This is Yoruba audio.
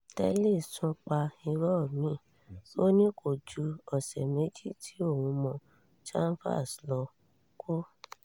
Tellis tún pa irọ́ mìíì. Ó ní kòju ọ̀sẹ̀ méjì tí òun mọ Chambers ló kú.